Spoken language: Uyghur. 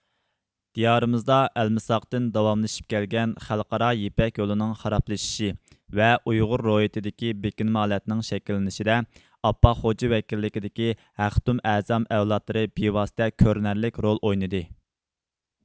دىيارىمىزدا ئەلمىساقتىن داۋاملىشىپ كەلگەن خەلقئارا يىپەك يولىنىڭ خارابلىشىشى ۋە ئۇيغۇر روھىيتىدىكى بېكىنمە ھالەتنىڭ شەكىللىنىشىدە ئاپپاق خوجا ۋەكىللىكىدىكى ھەختۇم ئەزەم ئەۋلادلىرى بىۋاستە كۆرۈنەرلىك رول ئوينىدى